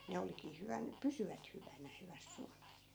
ne olikin hyvänä pysyvät hyvänä hyvässä suolassa